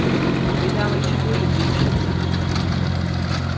vit hava ikki tíð um vikuskiftið